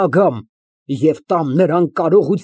Գնա, հագնվիր, քեզ էլ տանեմ։ Ռոզալիան պատրաստվում է։